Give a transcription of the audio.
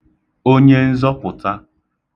onyenzọ̀pụ̀ta